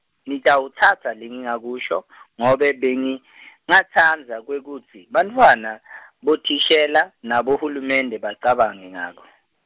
Nitawutsatsa lengitakusho, ngobe bengingatsandza kwekutsi, bantfwana , bothishela, nahulumende bacabange ngako.